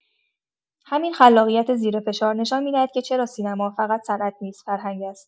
همین خلاقیت زیر فشار، نشان می‌دهد که چرا سینما فقط صنعت نیست، فرهنگ است.